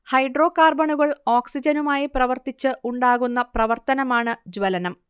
ഹൈഡ്രോകാർബണുകൾ ഓക്സിജനുമായി പ്രവർത്തിച്ച് ഉണ്ടാകുന്ന പ്രവർത്തനമാണ് ജ്വലനം